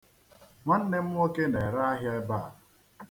Nwanne m nwoke na-ere ahịa ebe a.